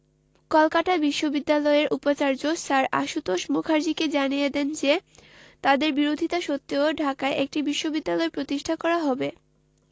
কলকাতা বিশ্ববিদ্যালয়ের উপাচার্য স্যার আশুতোষ মুখার্জীকে জানিয়ে দেন যে তাঁদের বিরোধিতা সত্ত্বেও ঢাকায় একটি বিশ্ববিদ্যালয় প্রতিষ্ঠা করা হবে